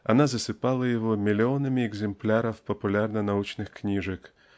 она засыпала его миллионами экземпляров популярно-научных книжек